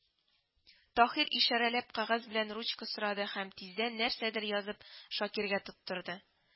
Таһир ишарәләп кәгазь белән ручка сорады һәм тиздән нәрсәдер язып Шакиргә тоттырды